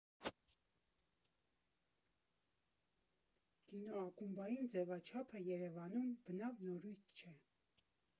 Կինոակումբային ձևաչափը Երևանում բնավ նորույթ չէ.